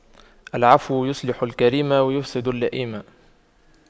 العفو يصلح الكريم ويفسد اللئيم